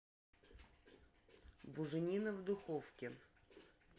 буженина в духовке